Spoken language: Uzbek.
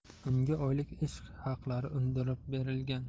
unga oylik ish haqlari undirib berilgan